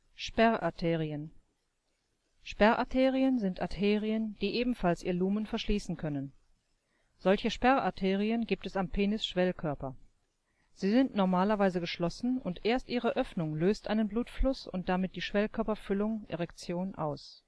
Sperrarterien: Sperrarterien sind Arterien, die ebenfalls ihr Lumen verschließen können. Solche Sperrarterien gibt es am Penisschwellkörper. Sie sind normalerweise geschlossen und erst ihre Öffnung löst einen Blutfluss und damit die Schwellkörperfüllung (Erektion) aus